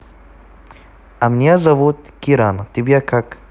а меня зовут кирана тебя как